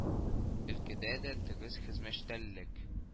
Өлкәдә дә тыгыз хезмәштәллек